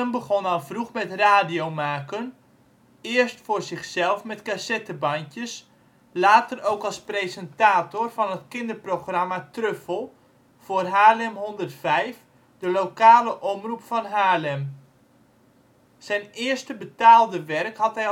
begon al vroeg met radiomaken, eerst voor zichzelf met cassettebandjes, later ook als presentator van het kinderprogramma Truffel voor Haarlem 105, de lokale omroep van Haarlem. Zijn eerste betaalde werk had